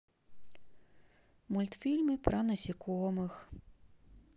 мультфильмы про насекомых